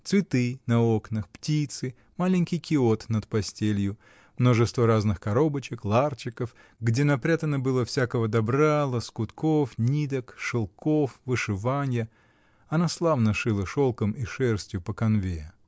Цветы на окнах, птицы, маленький киот над постелью, множество разных коробочек, ларчиков, где напрятано было всякого добра, лоскутков, ниток, шелков, вышиванья: она славно шила шелком и шерстью по канве.